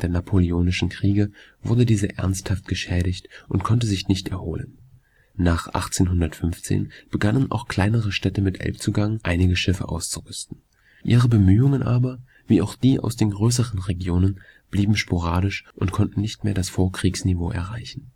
napoleonischen Kriege wurde diese ernsthaft geschädigt und konnte sich nicht erholen. Nach 1815 begannen auch kleinere Städte mit Elbzugang (Itzehoe, Brunsbüttel, Elmshorn an der Krückau, Uetersen) eigene Schiffe auszurüsten. Ihre Bemühungen aber, wie auch die aus den größeren Regionen, blieben sporadisch und konnten nicht mehr das Vorkriegsniveau erreichen